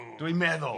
Dwi'n meddwl.